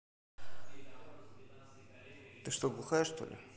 ты что глухая что ли